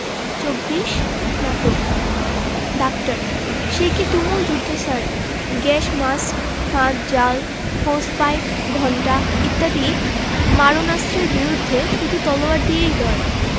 ২৪ নাটক ডাক্তার সেকি তুমুল যুদ্ধ স্যার গ্যাস মাস্ক ফাঁদ জাল হোস পাইপ ঘণ্টা ইত্যাদি মারণাস্ত্রের বিরুদ্ধে শুধু তলোয়ার দিয়ে লড়াই